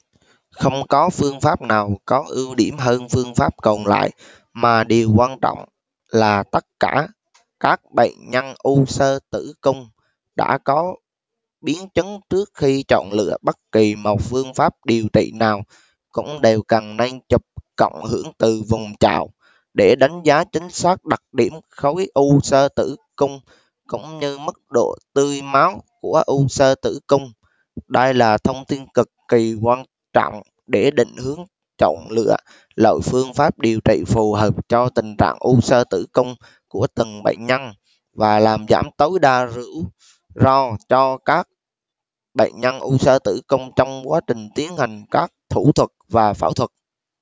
không có phương pháp nào có ưu điểm hơn phương pháp còn lại mà điều quan trọng là tất cả các bệnh nhân u xơ tử cung đã có biến chứng trước khi chọn lựa bất kỳ một phương pháp điều trị nào cũng đều cần nên chụp cộng hưởng từ vùng chậu để đánh giá chính xác đặc điểm khối u xơ tử cung cũng như mức độ tưới máu của u xơ tử cung đây là thông tin cực kỳ quan trọng để định hướng chọn lựa loại phương pháp điều trị phù hợp cho tình trạng u xơ tử cung của từng bệnh nhân và làm giảm tối đa rủi ro cho các bệnh nhân u xơ tử cung trong quá trình tiến hành các thủ thuật và phẫu thuật